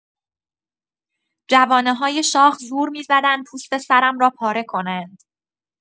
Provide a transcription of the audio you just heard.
جوانه‌های شاخ زور می‌زدند پوست سرم را پاره کنند.